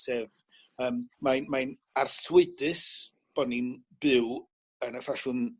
Sef yym mae mae'n arswydus bo' ni'n byw yn y ffasiwn